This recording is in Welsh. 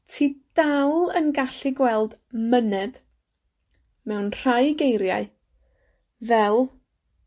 Ti dal yn gallu gweld myned, mewn rhai geiriau, fel